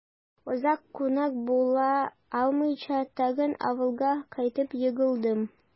Озак кунак була алмыйча, тагын авылга кайтып егылдым...